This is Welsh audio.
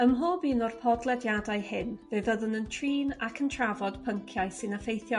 Ym mhob un o'r podlediadau hyn fe fyddwn yn trin ac yn trafod pynciau sy'n effeithio